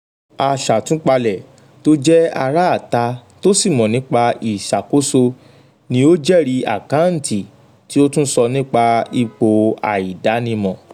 Aṣàtúpalẹ̀ tó jẹ́ aráàta tó sì mọ̀ nípa ìsàkóso ní ó jẹ́rìí àkáǹtì tí ó tun sọ nípa ipò àìdánimọ.